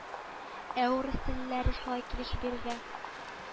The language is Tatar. Ә урыс теллеләре шул килеш бирелә